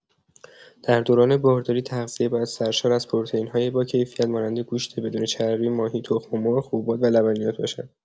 در دوران بارداری، تغذیه باید سرشار از پروتئین‌های باکیفیت مانند گوشت بدون چربی، ماهی، تخم‌مرغ، حبوبات و لبنیات باشد.